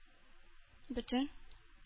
Бөтен